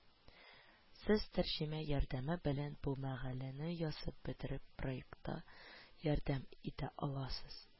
Сез тәрҗемә ярдәме белән бу мәкаләне язып бетереп проектка ярдәм итә аласыз